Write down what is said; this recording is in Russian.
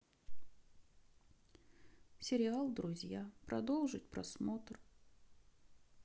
сериал друзья продолжить просмотр